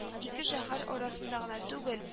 Ике шәһәр арасында гына түгел